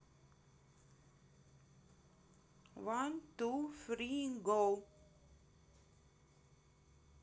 ван ту фри го